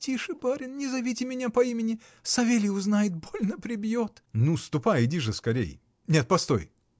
— Тише, барин, не зовите меня по имени: Савелий узнает, больно прибьет! — Ну ступай, иди же скорей. Нет, постой!